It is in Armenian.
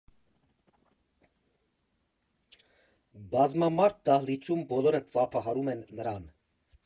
Բազմամարդ դահլիճում բոլորը ծափահարում են նրան։